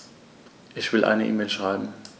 Ich will eine E-Mail schreiben.